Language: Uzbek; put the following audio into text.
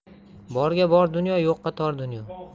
borga bor dunyo yo'qqa tor dunyo